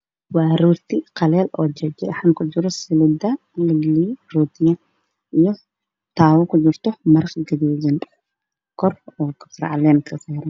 Waaweys xasaran saxan madow waxaa ku jirto saxan kale waxaa ku jirto